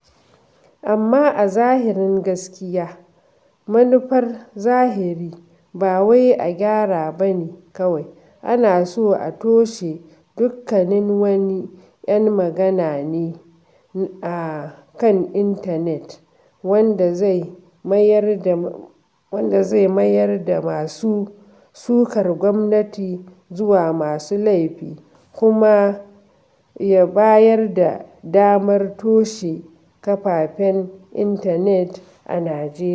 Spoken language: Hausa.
Amma a zahirin gaskiya manufar zahiri ba wai a gyara ba ne, kawai ana so a toshe dukkanin wani 'yan magana ne a kan intanet, wanda zai mayar da masu sukar gwamnati zuwa masu laifi kuma ya bayar da damar toshe kafafen intanet a Najeriya.